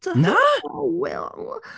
Na!... O Will!